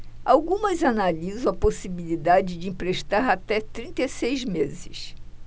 algumas analisam a possibilidade de emprestar até trinta e seis meses